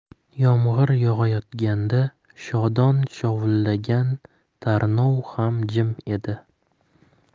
yomg'ir yog'ayotganda shodon shovullagan tarnov ham jim edi